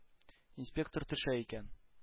Инспектор төшә икән.